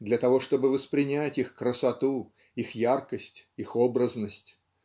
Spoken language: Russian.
для того чтобы воспринять их красоту их яркость их образность.